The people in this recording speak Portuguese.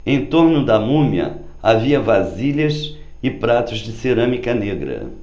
em torno da múmia havia vasilhas e pratos de cerâmica negra